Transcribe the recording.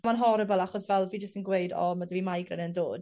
Ma'n horrible achos fel fi jyst yn gweud o my' 'dy fi migraine yn dod.